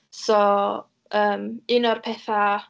So yym, un o'r petha...